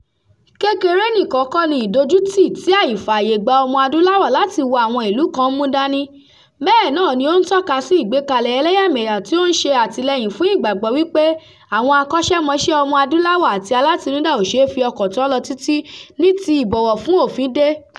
Kékeré nìkan kọ́ ni ìdójútì tí àìfàyègba Ọmọ-adúláwọ̀ láti wọ àwọn illú kan ń mú dání — bẹ́ẹ̀ náà ni ó ń tọ́ka sí ìgbékalẹ̀ ẹlẹ́yàmẹyà tí ó ń ṣe àtillẹ́yìn fún ìgbàgbọ́ wípé àwọn akọ́ṣẹ́mọṣẹ Ọmọ-adúláwọ̀ àti alátinúdá ò ṣe é fi ọkàn tàn lọ títí ni ti ìbọ̀wọ̀ fún òfín dé.